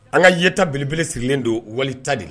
An kae ta belebelesirilen don wali ta de